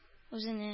Үзенә